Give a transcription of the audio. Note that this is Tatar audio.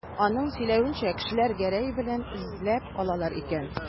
Аның сөйләвенчә, кешеләр Гәрәй балын эзләп алалар икән.